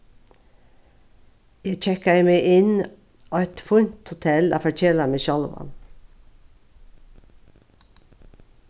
eg kekkaði meg inn á eitt fínt hotell at forkela meg sjálvan